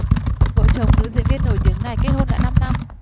vợ chồng nữ diễn viên nổi tiếng này kết hôn đã năm năm